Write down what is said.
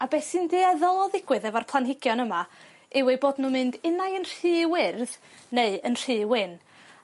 a be' sy'n dueddol o ddigwydd efo'r planhigion yma yw eu bod nw'n mynd unai yn rhy wyrdd neu yn rhy wyn.